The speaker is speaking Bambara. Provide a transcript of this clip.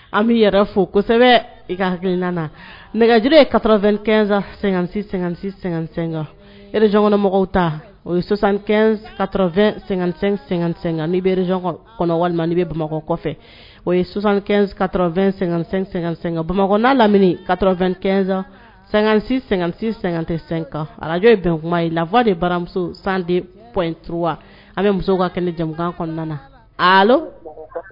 An bɛ yɛrɛ fo kosɛbɛ i ka hakilikinan nɛgɛjre ye ka2sanrezkɔnɔmɔgɔw ta o yesan kasɛ ni bɛre kɔnɔ walima bɛ bamakɔ kɔfɛ o yesan ka2-sɛ bamakɔ lamini ka2san san san senka arajo bɛn kuma ye lafa de baramuso san de pto wa an bɛ muso ka kɛnɛ jamukan kɔnɔna na